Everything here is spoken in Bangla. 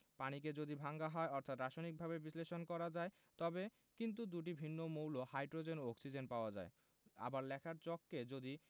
পানিকে যদি ভাঙা হয় অর্থাৎ রাসায়নিকভাবে বিশ্লেষণ করা যায় তবে কিন্তু দুটি ভিন্ন মৌল হাইড্রোজেন ও অক্সিজেন পাওয়া যায় আবার লেখার চককে যদি